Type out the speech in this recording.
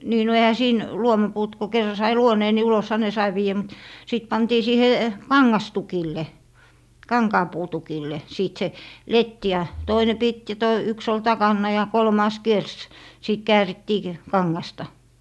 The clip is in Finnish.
niin no eihän siinä luomapuut kun kerran sai luoneen niin uloshan ne sai viedä mutta sitten pantiin siihen kangastukille kankaanpuutukille siitä se letti ja toinen piti ja - yksi oli takana ja kolmas kiersi sitten käärittiin - kangasta